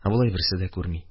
Ә болай берсе дә күрми.